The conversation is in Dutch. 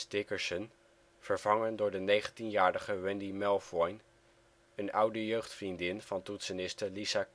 Dickerson vervangen door de negentienjarige Wendy Melvoin, een oude jeugdvriendin van toetseniste Lisa